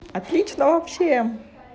отлично вообще